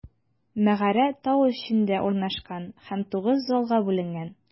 Мәгарә тау эчендә урнашкан һәм тугыз залга бүленгән.